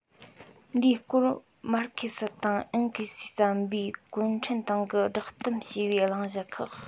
འདིའི སྐོར མར ཁེ སི དང ཨེན ཀེ སིས བརྩམས པའི གུང ཁྲན ཏང གི བསྒྲགས གཏམ ཞེས པའི གླེང གཞི ཁག